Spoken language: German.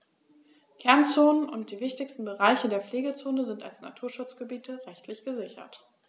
Kernzonen und die wichtigsten Bereiche der Pflegezone sind als Naturschutzgebiete rechtlich gesichert.